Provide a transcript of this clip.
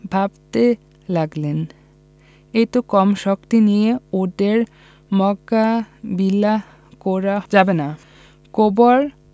ভাবতে লাগলেন এত কম শক্তি নিয়ে ওদের মোকাবিলা করা যাবে না খবর